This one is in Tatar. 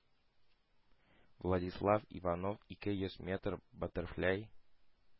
Владислав Иванов ике йөз метр, баттерфляй